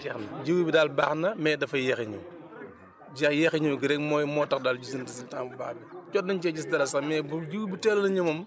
jeex na jiw bi daal baax na mais dafa yéex a ñëw dèjà yéex a ñëw gi rek mooy moo tax daal gisuñ résultat bu baax bi jot nañ cee gis dara sax mais bu jiwu bi teeloon a ñëw moom